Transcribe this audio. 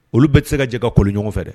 Olu bɛ se ka jɛgɛ ka kolon ɲɔgɔn fɛ dɛ